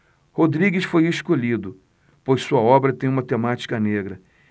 rodrigues foi escolhido pois sua obra tem uma temática negra